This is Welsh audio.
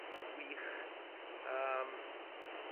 wych yym.